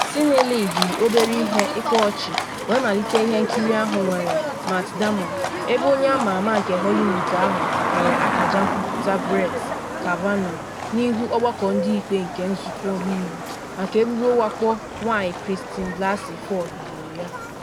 SNL jiri obere ihe ịkpa ọchị wee malite ihe nkiri ahụ nwere Matt Damon, ebe onye ama ama nke Hollywood ahụ mere akaja nkwuputa Brett Kavanaugh n’ihu Ọgbakọ Ndị Ikpe nke Nzụkọ Ọmeiwu maka ebubo mwakpo nwanyị Christine Blasey Ford boro ya.